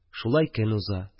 Шулай көн уза.